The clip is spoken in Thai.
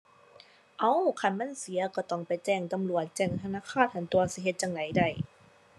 เอ๋า คันมันเสียก็ต้องไปแจ้งตำรวจแจ้งธนาคารหั้นตั่ว สิเฮ็ดจั่งใดได้